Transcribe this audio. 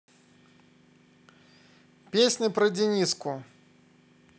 песня про дениску